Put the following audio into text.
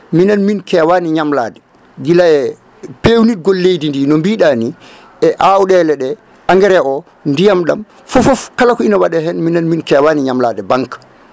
minen min kewani ñamlade guila e pewnitgol leydi ndi no mbiɗani e awɗele ɗe engrais o ndiyam ɗam fofoof kala ko ina waɗe hen mien min kewani ñamlade banque